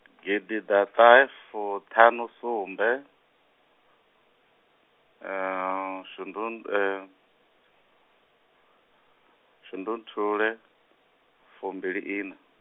gidiḓaṱahefuṱhanusumbe, shundun-, shundunthule, fumbiliiṋa.